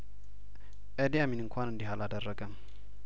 ኤዲያሚን እንኳን እንደዚህ አላደረገም